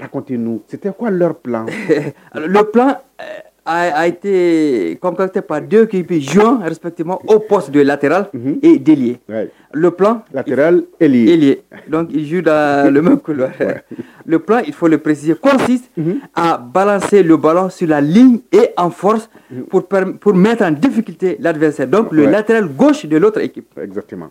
Te te pa k'i bɛzoɔnre tema o psido latra e ye da p fɔ presisesi a balase basilen e an fɔ p poropɛfikite lad lasi ete